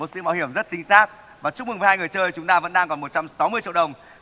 một sự mạo hiểm rất chính xác và chúc mừng với hai người chơi chúng ta vẫn đang còn một trăm sáu mươi triệu đồng